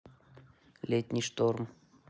летний шторм